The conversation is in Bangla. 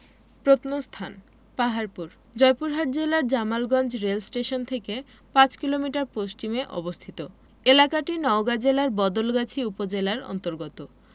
প্রত্নস্থানঃ পাহাড়পুর জয়পুরহাট জেলার জামালগঞ্জ রেলস্টেশন থেকে ৫ কিলোমিটার পশ্চিমে অবস্থিত এলাকাটি নওগাঁ জেলার বদলগাছি উপজেলার অন্তর্গত